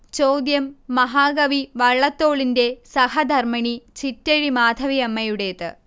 ചോദ്യം മഹാകവി വള്ളത്തോളിന്റെ സഹധർമ്മിണി ചിറ്റഴി മാധവിയമ്മയുടേത്